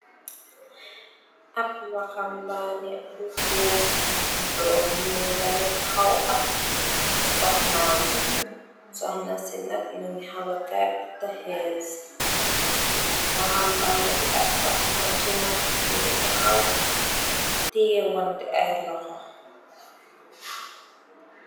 Ab waxam baane bu góor njool ñuul la ngit taxaw ak soxnaam soxnam ci nag mogi xawa gaat tax xees waxam banne bi ak soxnaam ci nag ñu ngit xaw teewan tiyeh wante loxo.